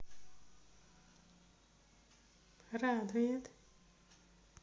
радует